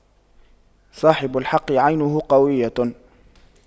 صاحب الحق عينه قوية